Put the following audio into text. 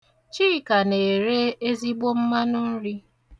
Chika na-ere ezigbo mmanụnri